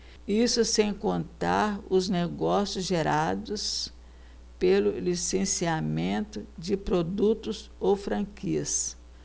isso sem contar os negócios gerados pelo licenciamento de produtos ou franquias